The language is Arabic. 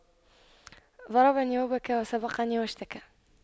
ضربني وبكى وسبقني واشتكى